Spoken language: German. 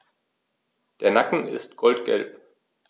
Der Nacken ist goldgelb.